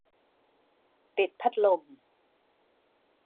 ปิดพัดลม